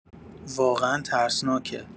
واقعا ترسناکه